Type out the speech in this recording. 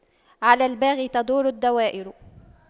على الباغي تدور الدوائر